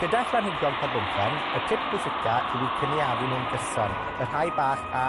Gyda phlanhigion corbwmpen, y tip pwysica yw 'u cynaeafu nw'n gyson, y rhai bach a